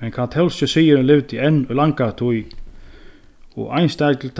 men katólski siðurin livdi enn í langa tíð